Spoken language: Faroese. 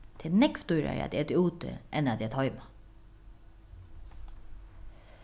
tað er nógv dýrari at eta úti enn at eta heima